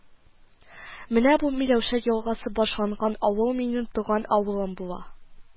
Менә бу Миләүшә елгасы башланган авыл минем туган авылым була